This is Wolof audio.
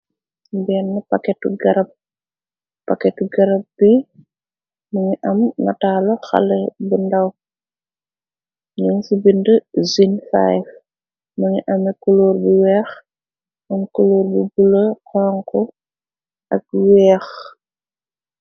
Benn pakketu gërab bi, mi ngi am nataala xale bi ndaw, gygen ci bind 10n- f, mungi ame kuluur bu weex, nun kuluur bi bula, xonko ak weex.